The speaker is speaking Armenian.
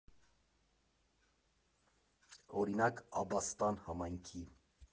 Օրինակ՝ Աբաստան համայնքի։